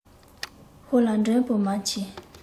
ཞོལ ལ མགྲོན པོ མ མཆིས